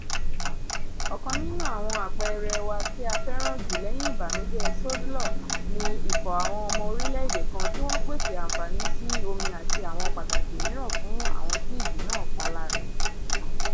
Ọ̀kan nínú àwọn àpẹẹrẹ wa tí a fẹ́ràn jù lẹ́yìn ìbànújẹ́ Soudelor ní ikọ̀ àwọn ọmọ orílẹ̀ èdè kan tí wọ́n pèsè àǹfààní sí omi àti àwọn pàtàkì míràn fún àwọn tí ìjì náà pa lára.